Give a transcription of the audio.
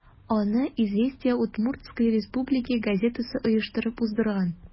Аны «Известия Удмуртсткой Республики» газетасы оештырып уздырган.